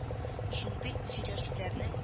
Шундый сөйләшүләрнең